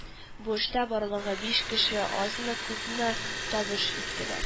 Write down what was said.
Бу эштә барлыгы биш кеше азмы-күпме табыш иттеләр